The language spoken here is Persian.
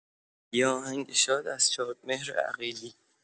یه آهنگ شاد از شادمهر عقیلی